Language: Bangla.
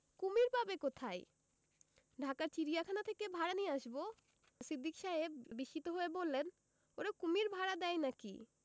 ‘কুমীর পাবে কোথায় ঢাকার চিড়িয়াখানা থেকে ভাড়া নিয়ে আসব সিদ্দিক সাহেব বিস্মিত হয়ে বললেন 'ওরা কুমীর ভাড়া দেয় না কি